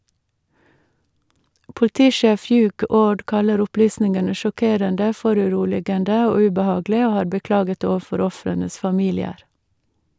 Politisjef Hugh Orde kaller opplysningene «sjokkerende, foruroligende og ubehagelig», og har beklaget overfor ofrenes familier.